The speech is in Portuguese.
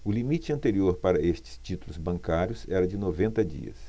o limite anterior para estes títulos bancários era de noventa dias